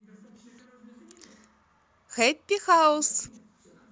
happy house